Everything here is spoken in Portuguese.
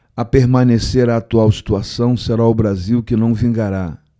a permanecer a atual situação será o brasil que não vingará